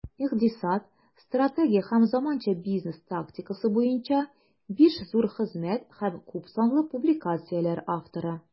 Икътисад, стратегия һәм заманча бизнес тактикасы буенча 5 зур хезмәт һәм күпсанлы публикацияләр авторы.